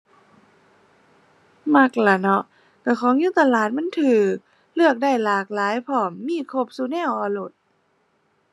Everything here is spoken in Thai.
มักล่ะเนาะ ก็ของอยู่ตลาดมันก็เลือกได้หลากหลายพร้อมมีครบซุแนวเอาโลด